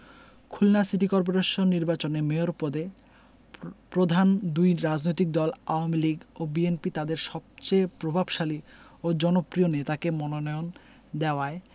Khulna city corporation নির্বাচনে mayor পদে প্রধান দুই রাজনৈতিক দল আওয়ামী লীগ ও বিএনপি তাদের সবচেয়ে প্রভাবশালী ও জনপ্রিয় নেতাকে মনোনয়ন দেওয়ায়